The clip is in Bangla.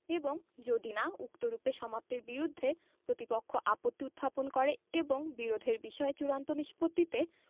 এবং যদি না উক্তরূপে সমাপ্তির বিরুদ্ধে প্রতিপক্ষ আপত্তি উত্থাপন করে এবং বিরোধের বিষয় চূড়ান্ত নিষ্পত্তিতে